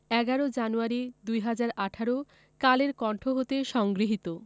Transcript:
১১ January ২০১৮ Kaler Kantho হতে সংগৃহীত